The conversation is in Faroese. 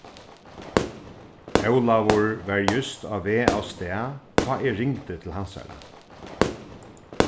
ólavur var júst á veg avstað tá eg ringdi til hansara